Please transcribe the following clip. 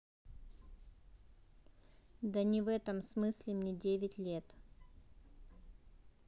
да не в этом смысле мне девять лет